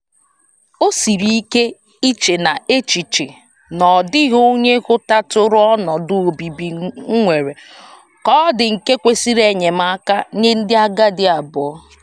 O siri ike iche n'echiche na ọ dịghị onye hụtatụrụ ọnọdụ obibi nwere ka ọ dị nke kwesịrị enyemaka nye ndị agadi abụọ.